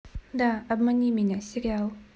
да обмани меня сериал